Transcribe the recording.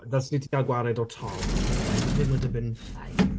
Ddylse ni 'di gael gwared o Tom and everything would have been fine.